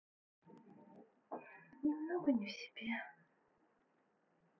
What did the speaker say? немного не в себе